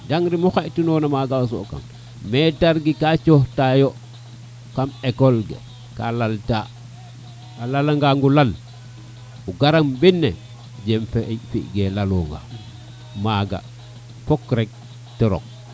jangri mu xaƴ tinona maga o soɓ kan maitre ke ka cota yo kam école ke ka lal ta a lala ngano lal o garan mbine jem fexey fi ge lalo nga maga fok rek te rok